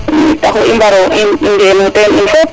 i ten taxu i mbaro i ngenu ten in fop